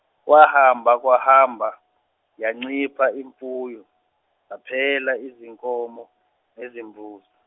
kwahamba kwahamba yancipha imfuyo, zaphela izinkomo nezimbuzi.